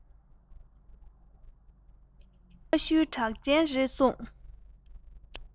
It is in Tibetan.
གནའ ཤུལ གྲགས ཅན རེད གསུངས